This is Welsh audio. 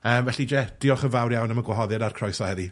Yym, felly, je, diolch yn fawr iawn am y gwahoddiad ar croeso heddi.